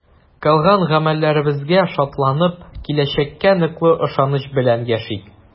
Кылган гамәлләребезгә шатланып, киләчәккә ныклы ышаныч белән яшик!